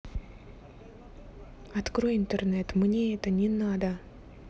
открой интернет мне это не надо